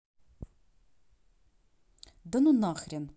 да ну нахрен